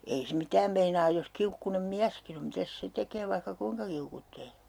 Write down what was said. ei se mitään meinaa jos kiukkuinen mieskin on mitäs se tekee vaikka kuinka kiukkuaa